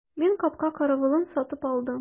Мин капка каравылын сатып алдым.